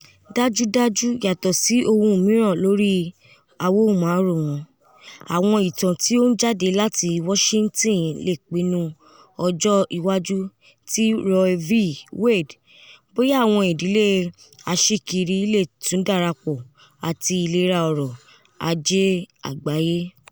Dajudaju, yatọsi ohun miiran lori TV, awọn itan ti o n jade lati Washington le pinnu ọjọ iwaju ti Roe v. Wade, boya awọn idile aṣikiri le tun darapọ ati ilera ọrọ aje agbaye.